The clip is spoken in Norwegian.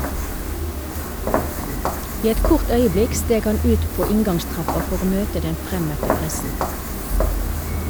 I et kort øyeblikk steg han ut på inngangstrappa for å møte den fremmøtte pressen.